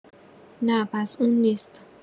نه پس اون نیست.